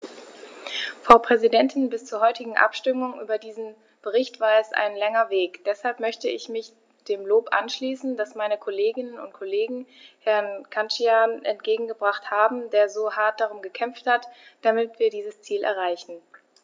Frau Präsidentin, bis zur heutigen Abstimmung über diesen Bericht war es ein langer Weg, deshalb möchte ich mich dem Lob anschließen, das meine Kolleginnen und Kollegen Herrn Cancian entgegengebracht haben, der so hart darum gekämpft hat, damit wir dieses Ziel erreichen.